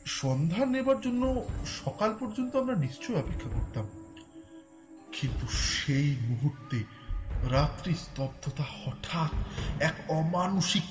সন্ধান নেবার জন্য সকাল পর্যন্ত আমরা নিশ্চয়ই অপেক্ষা করতাম কিন্তু সেই মুহূর্তে রাত্রির স্তব্ধতা হঠাৎ এক অমানুষিক